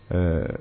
H